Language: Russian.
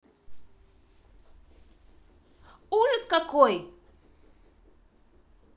ужас какой